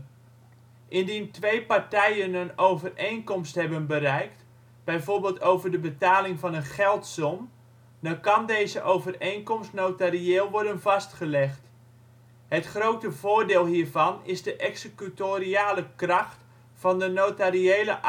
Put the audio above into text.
Indien twee partijen een overeenkomst hebben bereikt, bijvoorbeeld over de betaling van een geldsom, dan kan deze overeenkomst notarieel worden vastgelegd. Het grote voordeel hiervan is de executoriale kracht van de notariële